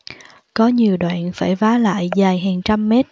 có nhiều đoạn phải vá lại dài hàng trăm mét